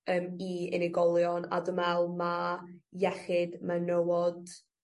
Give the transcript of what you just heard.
...yym i unigolion a dw me'l ma' iechyd menywod